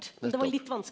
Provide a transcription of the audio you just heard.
nettopp.